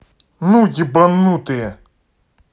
ну ебанутые